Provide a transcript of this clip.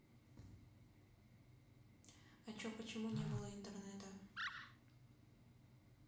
а че почему не было интернета